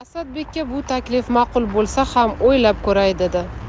asadbekka bu taklif ma'qul bo'lsa ham o'ylab ko'ray dedi